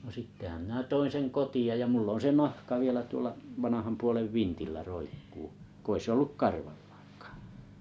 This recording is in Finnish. no sittenhän minä toin sen kotiin ja minulla on se nahka vielä tuolla vanhan puolen vintillä roikkuu kun ei se ollut karvallaankaan